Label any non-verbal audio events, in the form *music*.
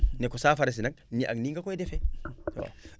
ne ko saafara si nag nii ak nii nga koy defee *noise* waaw